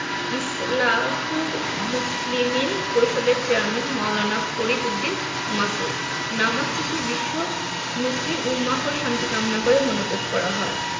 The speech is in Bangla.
ইসলাহুল মুসলিমিন পরিষদের চেয়ারম্যান মাওলানা ফরিদ উদ্দীন মাসউদ নামাজ শেষে বিশ্ব মুসলিম উম্মাহর শান্তি কামনা করে মোনাজাত করা হয়